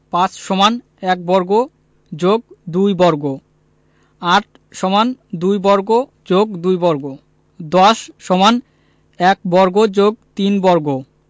৫ = ১ বর্গ + ২ বর্গ ৮ = ২ বর্গ + ২ বর্গ ১০ = ১ বর্গ + ৩ বর্গ